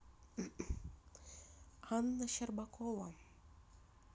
анна щербакова